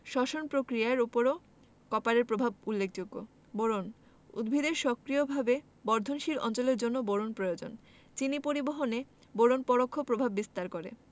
শ্বসন পক্রিয়ার উপরও কপারের প্রভাব উল্লেখযোগ্য বোরন উদ্ভিদের সক্রিয়ভাবে বর্ধনশীল অঞ্চলের জন্য বোরন প্রয়োজন চিনি পরিবহনে বোরন পরোক্ষ প্রভাব বিস্তার করে